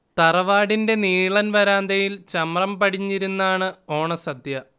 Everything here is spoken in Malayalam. തറവാടിന്റെ നീളൻ വരാന്തയിൽ ചമ്രം പടിഞ്ഞിരുന്നാണ് ഓണസദ്യ